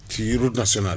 ci route nationale